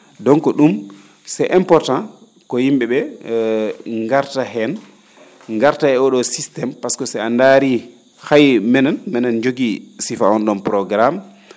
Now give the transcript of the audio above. donc ?uum c' important ko yim?e ?ee ngarta heen ngarta e oo ?oo sytéme pasque so a ndaarii hay menen menen njogi sifa on ?oon programme